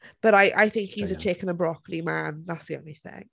But I- I think he's a chicken and broccoli man, that's the only thing.